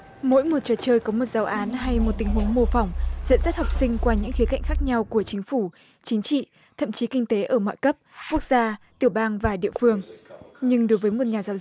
mỗi một trò chơi có một giáo án hay một tình huống mô phỏng dẫn dắt học sinh qua những khía cạnh khác nhau của chính phủ chính trị thậm chí kinh tế ở mọi cấp quốc gia tiểu bang và địa phương nhưng đối với một nhà giáo